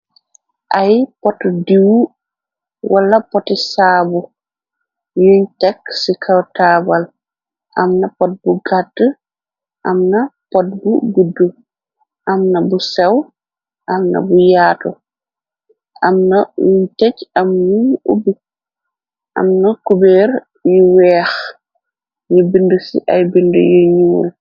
Ay pot diiw wala potisaabu yuñ tekk ci kaw tabal. Amna pot bu gàdd amna pot bu gudd amna bu sew amna bu yaatu amna wuñ tëj amna wun ub amna koubeer yu weex ñu bind ci ay bind yu ñuwul.